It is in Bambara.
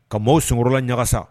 Ka maaw sɔnkɔrɔla ɲagaka sa